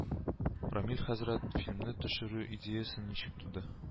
Рамил хәзрәт, фильмны төшерү идеясе ничек туды